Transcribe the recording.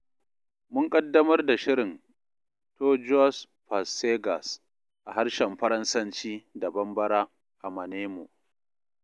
Mun ƙaddamar da shirin 'Toujours Pas Sages' a harshen Faransanci da Bambara a Manemo.